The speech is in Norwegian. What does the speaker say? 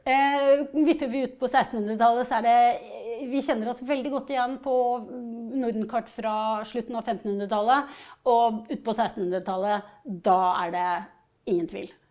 vipper vi ut på sekstenhundretallet så er det vi kjenner oss veldig godt igjen på Nordenkart fra slutten av femtenhundretallet og ut på sekstenhundretallet da er det ingen tvil.